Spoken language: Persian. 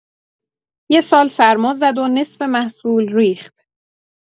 یه سال سرما زد و نصف محصول ریخت.